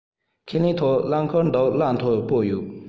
ཁས ལེན ཐོག ཁང རླངས འཁོར འདུག གླ མཐོ པོ ཡོད